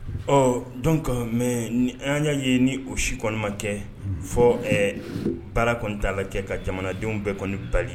Ɔ dɔn kama mɛ ni an y' y'a ye ni o si kɔnmakɛ fɔ ɛɛ baara kɔni dala kɛ ka jamanadenw bɛɛ kɔni bali